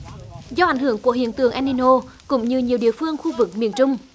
do ảnh hưởng của hiện tượng en ni nô cũng như nhiều địa phương khu vực miền trung